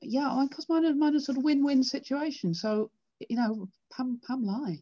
Ia ond cos mae 'na mae 'na sort of win win situation, so you know pam pam lai?